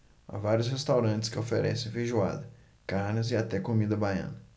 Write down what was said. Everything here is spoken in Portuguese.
há vários restaurantes que oferecem feijoada carnes e até comida baiana